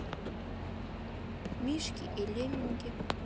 мишки и лемминги